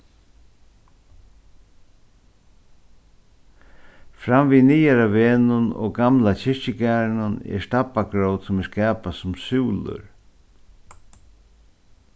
fram við niðara vegnum og gamla kirkjugarðinum er stabbagrót sum er skapað sum súlur